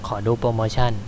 ขอดูโปรโมชั่น